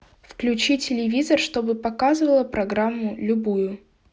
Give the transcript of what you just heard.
включи телевизор чтобы показывало программу любую